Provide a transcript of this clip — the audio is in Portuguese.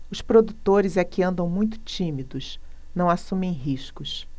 os produtores é que andam muito tímidos não assumem riscos